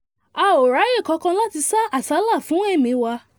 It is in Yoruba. A ò ráyè kankan láti sá àsálà fún ẹ̀mí wa.